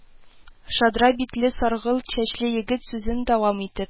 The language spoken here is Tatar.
Шадра битле, саргылт чәчле егет, сүзен дәвам итеп: